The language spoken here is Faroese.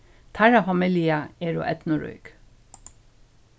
teirra familja eru eydnurík